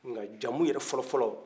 nka jamu yɛrɛy fɔlɔfɔlɔ